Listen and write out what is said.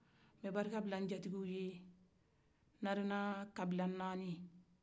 ka barika bila njatikiw ye narena kabila nani